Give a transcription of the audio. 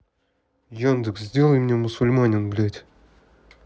яндекс сделай мне мусульманин блядь